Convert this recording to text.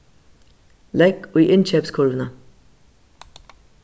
legg í innkeypskurvina